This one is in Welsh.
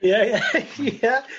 Ie ie ia.